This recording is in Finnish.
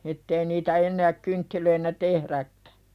että ei niitä enää kynttilöinä tehdäkään